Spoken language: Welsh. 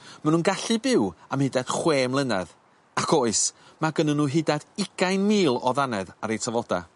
ma' nw'n gallu byw am hyd at chwe mlynedd ac oes ma' gynnyn n'w hyd at ugain mil o ddanedd ar eu tafoda'